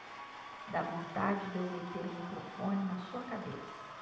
dá vontade de eu meter o microfone na sua cabeça